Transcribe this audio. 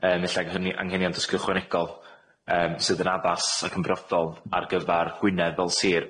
yym ella 'gynna ni anghenion dysgu ychwanegol yym sydd yn addas ac yn briodol ar gyfar Gwynedd fel sir.